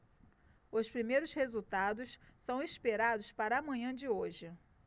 os primeiros resultados são esperados para a manhã de hoje